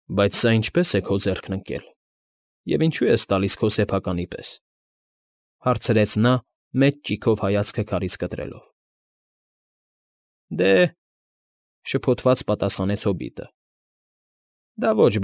Բայց սա ինչպե՞ս է քո ձեռքն ընկել և ինչո՞ւ ես տալիս քո սեփականի պես,֊ հարցրեց նա՝ մեծ ճիգով հայացքը քարից կտրելով։ ֊ Դ֊դե,֊ շփոթված պատասխանեց հոբիտը,֊ դա ոչ։